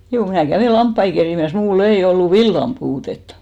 juu minä kävin lampaita kerimässä minulla ei ollut villan puutetta